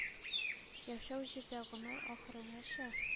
Яшәү, җирдә гомер ахрынача